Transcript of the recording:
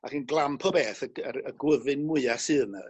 Ac hi'n glamp o beth y gy- yr y gwlyfyn mwya sydd 'na